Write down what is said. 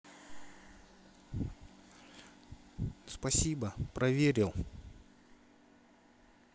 спасибо проверил